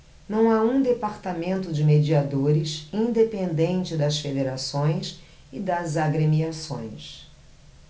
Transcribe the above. não há um departamento de mediadores independente das federações e das agremiações